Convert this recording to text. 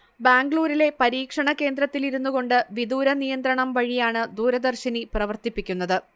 ബാംഗ്ലൂരിലെ പരീക്ഷണ കേന്ദ്രത്തിലിരുന്നുകൊണ്ട് വിദൂരനിയന്ത്രണം വഴിയാണ് ദൂരദർശിനി പ്രവർത്തിപ്പിക്കുന്നത്